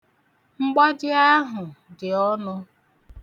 Mgbaji ahụ dị ọnụ.